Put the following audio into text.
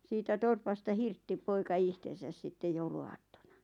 siitä torpasta hirtti poika itsensä sitten jouluaattona